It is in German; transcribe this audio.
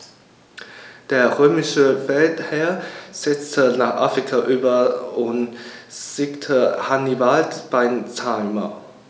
Der römische Feldherr setzte nach Afrika über und besiegte Hannibal bei Zama.